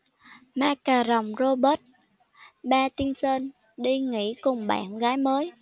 ma cà rồng robert pattinson đi nghỉ cùng bạn gái mới